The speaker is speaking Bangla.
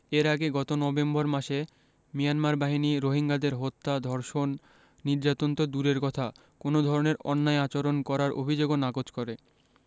এর আগে গত নভেম্বর মাসে মিয়ানমার বাহিনী রোহিঙ্গাদের হত্যা ধর্ষণ নির্যাতন তো দূরের কথা কোনো ধরনের অন্যায় আচরণ করার অভিযোগও নাকচ করে